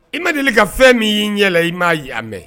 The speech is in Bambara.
I ma deli ka fɛn min y'i ɲɛ la i m'a y a mɛ